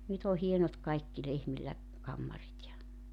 nyt on hienot kaikki lehmillä kammarit ja